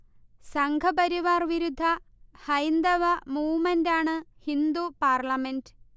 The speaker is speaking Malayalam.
സംഘപരിവാർ വിരുദ്ധ ഹൈന്ദവ മൂവ്മെന്റാണ് ഹിന്ദു പാർലമെന്റ്